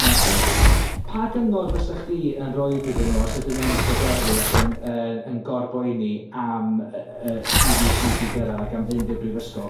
Medi, pa gyngor fysach chdi yn roid iddyn nw os ydyn nw ym pryderu ac yn yn yn gor boeni am yy yy i fis Medi gyrradd ac am fynd i'r brifysgol